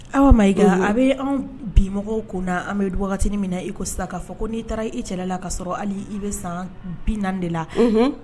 Awa Mayiga a bɛ anw bi mɔgɔw kun na an bɛ wagati min na i ko sisan k'a fɔ n'i taara i cɛla la ka sɔrɔ hali i bɛ san 40 de la, unhun